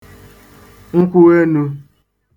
nkwụenū